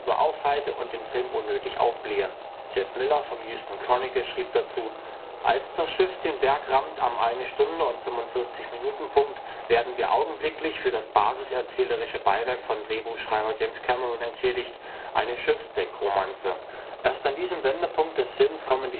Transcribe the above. aufhalte und den Film unnötig aufblähe. Jeff Millar vom Houston Chronicle schrieb dazu: „ Als das Schiff den Berg rammt, am Eine-Stunde-und-45-Minuten-Punkt, werden wir augenblicklich für das basis-erzählerische Beiwerk von Drehbuchschreiber James Cameron entschädigt – eine Schiffsdeck-Romanze. “Erst an diesem Wendepunkt des Filmes kommen